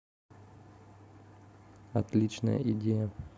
отличная идея